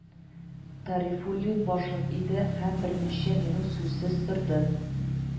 Тарифу л лин башын иде һәм берничә минут сүзсез торды